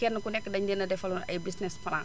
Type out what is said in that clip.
kenn ku nekk dañu leen a defaloon ay busines plan